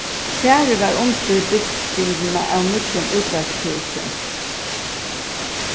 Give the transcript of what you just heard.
farið varð undir byggingina av nýggjum útvarpshúsi